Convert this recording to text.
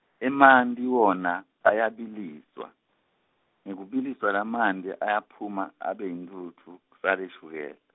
emanti wona ayabiliswa, Ngekubiliswa lamanti ayaphuma abe yintfutfu, kusale shukel-.